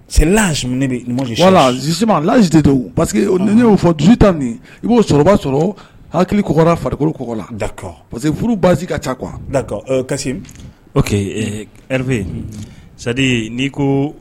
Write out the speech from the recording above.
C'est l'âge ne be moi je cherche l'âge de don parce que n'i y'o fɔ 18 ans ni i b'o sɔrɔ a b'a sɔrɔ kakili kɔgɔra farikolo kɔgɔra d'accord parce que furu base ka ca quoi Kassim ok Erve c'est à dire n'i ko